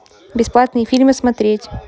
бесплатные фильмы смотреть